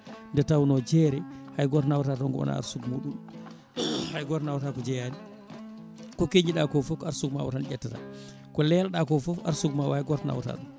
nde tawno jeere hay goto nawata toon ko wona arsugue muɗum hay goto nawata jeeyani ko keeñiɗa ko foof ko arsugue ma o tan ƴettata ko lelɗa ko foof arsugue ma o hay goto nawata ɗum